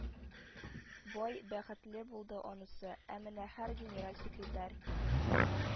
Бай, бәхетле булды анысы, ә менә һәр генераль секретарь,